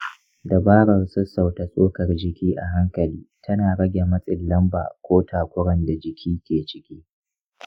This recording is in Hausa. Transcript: dabarar sassauta tsokar jiki a hankali tana rage matsin lamba ko takuran da jiki ke ciki.